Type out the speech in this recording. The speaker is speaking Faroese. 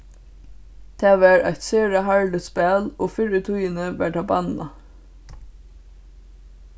tað var eitt sera harðligt spæl og fyrr í tíðini varð tað bannað